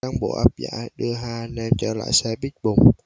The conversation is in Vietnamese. cán bộ áp giải đưa hai anh em trở lại xe bít bùng